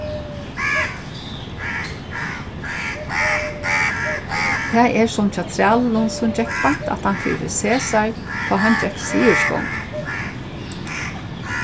tað er sum hjá trælinum sum gekk beint aftan fyri caesar tá hann gekk sigursgongu